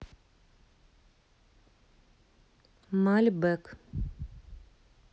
мальбэк